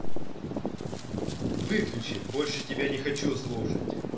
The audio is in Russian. выключи больше тебе не хочу слушать